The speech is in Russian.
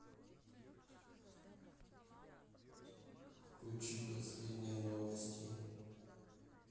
включи последние новости